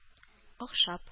Охшап